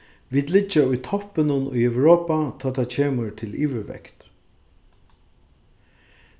vit liggja í toppinum í europa tá tað kemur til yvirvekt